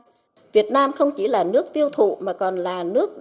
việt nam không chỉ là nước tiêu thụ mà còn là nước